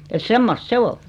että semmoista se oli